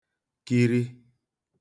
kiri